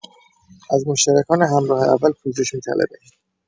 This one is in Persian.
از مشترکان همراه اول پوزش می‌طلبیم.